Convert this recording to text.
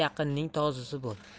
yaqinning tozisi bo'l